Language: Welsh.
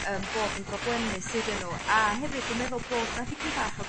yym bod yn broblemus iddyn nhw a hefyd dwi'n meddwl bod 'na dipyn bach o